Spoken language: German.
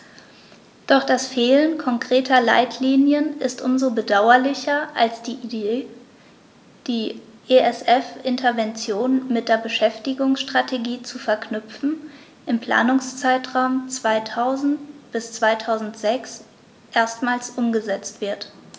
Doch das Fehlen konkreter Leitlinien ist um so bedauerlicher, als die Idee, die ESF-Interventionen mit der Beschäftigungsstrategie zu verknüpfen, im Planungszeitraum 2000-2006 erstmals umgesetzt wird.